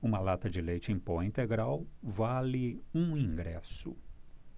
uma lata de leite em pó integral vale um ingresso